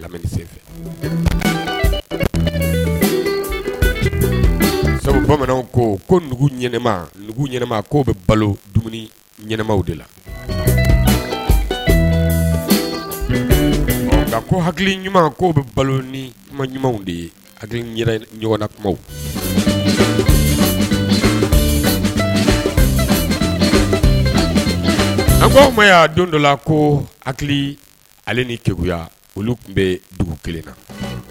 Sabu bamananw ko ko bɛ balo dumuni ɲɛnamaw de la nka ko hakili ɲuman ko bɛ balo nima ɲumanw de ye hakili ɲɔgɔnnakumaw an ko anw ma y'a don dɔ la ko hakili ale ni kekuya olu tun bɛ dugu kelen na